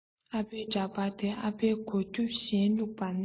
ཨ ཕའི འདྲ པར དེའི ཨ ཕའི གོ རྒྱུ གཞན བླུག པ ནི